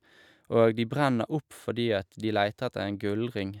Og de brenner opp fordi at de leiter etter en gullring.